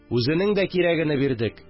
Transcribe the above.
Үзенең дә кирәгене бирдек